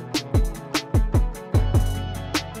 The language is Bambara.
Sanunɛ yo